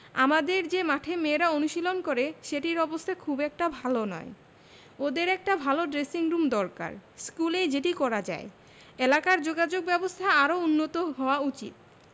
আমাদের যে মাঠে মেয়েরা অনুশীলন করে সেটির অবস্থা খুব একটা ভালো নয় ওদের একটা ভালো ড্রেসিংরুম দরকার স্কুলেই যেটি করা যায় এলাকার যোগাযোগব্যবস্থা আরও উন্নত হওয়া উচিত